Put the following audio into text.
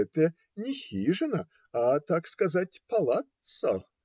Это не хижина, а, так сказать, палаццо,